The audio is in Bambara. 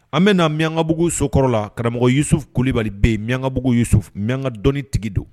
An bɛ na miyankabugu sokɔrɔ la, karamɔgɔ Yusuf kulubali bɛ yen, miyankabugu Yusuf, miyanka dɔnni tigi don.